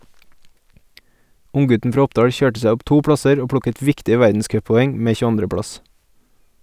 Unggutten fra Oppdal kjørte seg opp to plasser og plukket viktige verdenscuppoeng med 22. plass.